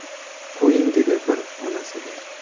qo'ying dedi bir onasiga